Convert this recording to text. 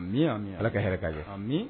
Ala ka hɛrɛ k' ye